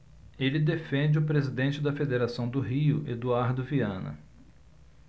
ele defende o presidente da federação do rio eduardo viana